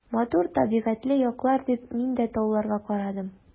Матур табигатьле яклар, — дип мин дә тауларга карадым.